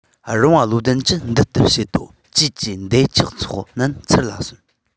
རི བོང བློ ལྡན གྱིས འདི ལྟར བཤད དོ ཀྱེ ཀྱེ འདབ ཆགས ཚོགས རྣམས ཚུར ལ གསོན